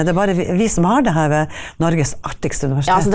er det bare vi vi som har det her ved Norges arktiske universitet?